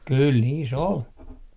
kyllä niissä oli